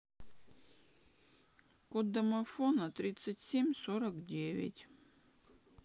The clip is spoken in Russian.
код домофона тридцать семь сорок девять